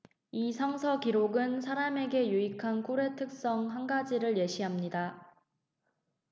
이 성서 기록은 사람에게 유익한 꿀의 특성 한 가지를 예시합니다